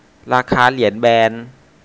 ราคาเหรียญแบรนด์